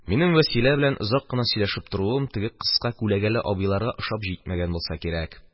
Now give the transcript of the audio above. Минем Вәсилә белән озак кына сөйләшеп 24 торуым теге кыска күләгәле абыйларга ошап җитмәгән булса кирәк,